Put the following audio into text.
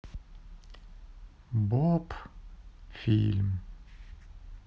боб фильм